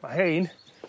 ma' rhein